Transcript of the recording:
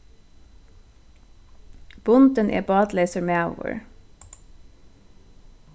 bundin er bátleysur maður